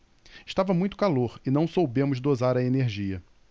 estava muito calor e não soubemos dosar a energia